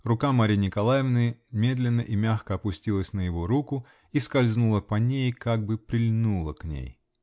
Рука Марьи Николаевны медленно и мягко опустилась на его руку, и скользнула по ней, и как бы прильнула к ней.